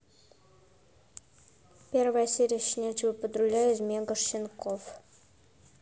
первая серия щенячьего патруля из мегащенков